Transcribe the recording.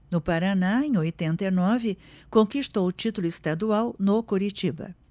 no paraná em oitenta e nove conquistou o título estadual no curitiba